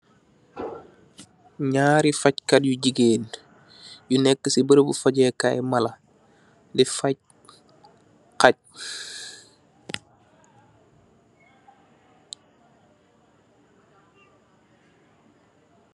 Nyaari fach kat yu jigain, yu nek si beaureaubu fajee kaay malla, di fach khaj.